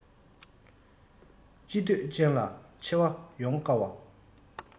ཆེ འདོད ཅན ལ ཆེ བ ཡོང བ དཀའ